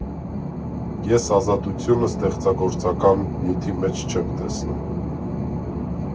Ես ազատությունը ստեղծագործական նյութի մեջ չեմ տեսնում։